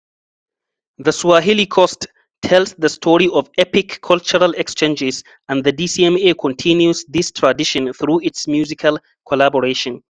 The Swahili coast tells the story of epic cultural exchanges and the DCMA continues this tradition through its musical collaborations.